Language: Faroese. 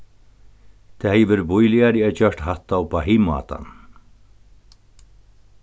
tað hevði verið bíligari at gjørt hatta upp á hin mátan